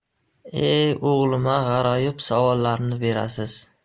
e o'g'lima g'aroyib savollarni berasiz